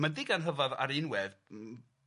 ma'n ddigon rhyfadd ar un wedd